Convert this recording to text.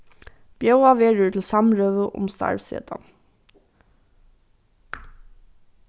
bjóðað verður til samrøðu um starvssetan